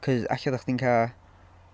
cause, alle fyddech chdi'n cael...